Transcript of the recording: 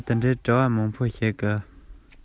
ཇ ཤུགས ཀྱིས འཐུང ཞོར གདན ལས ལངས